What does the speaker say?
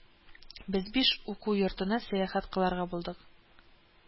Без биш уку йортына сәяхәт кыларга булдык